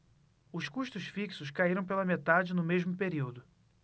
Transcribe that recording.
os custos fixos caíram pela metade no mesmo período